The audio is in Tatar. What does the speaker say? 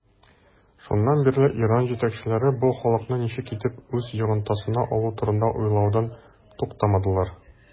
Шуннан бирле Иран җитәкчеләре бу халыкны ничек итеп үз йогынтысына алу турында уйлаудан туктамадылар.